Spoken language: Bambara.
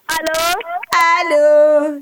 Akari